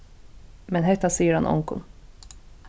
men hetta sigur hann ongum